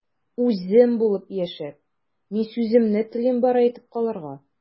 Үзем булып яшәп, мин сүземне телим бары әйтеп калырга...